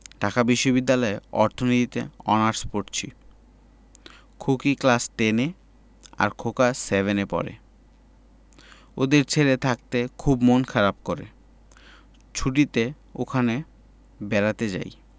ঢাকা বিশ্ববিদ্যালয়ে অর্থনীতিতে অনার্স পরছি খুকি ক্লাস টেন এ আর খোকা সেভেন এ পড়ে ওদের ছেড়ে থাকতে খুব মন খারাপ করে ছুটিতে ওখানে বেড়াতে যাই